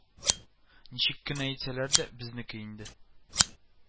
Ничек кенә әйтсәләр дә, безнеке инде